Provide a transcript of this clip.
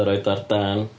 A rhoid o ar dân.